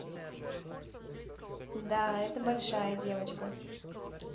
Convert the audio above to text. да это большая девочка